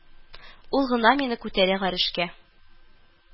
Ул гына мине күтәрә гарешкә